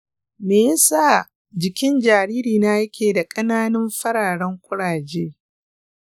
me ya sa jikin jaririna yake da ƙananan fararen ƙuraje?